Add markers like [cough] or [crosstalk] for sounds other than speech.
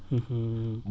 [hesitation] [hesitation]